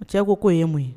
Cɛ ko k'o ye mun ye